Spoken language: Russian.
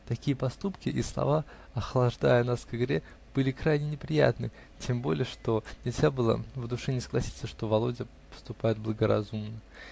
Такие поступки и слова, охлаждая нас к игре, были крайне неприятны, тем более что нельзя было в душе не согласиться, что Володя поступает благоразумно.